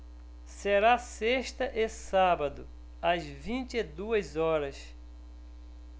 será sexta e sábado às vinte e duas horas